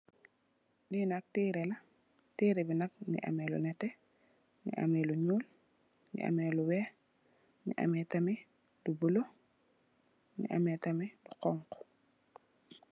Linak terreh la, terreh binak mi ami lo nete mi ami lo nuul, mi ami lo weex mi ami tamit lo oxogox.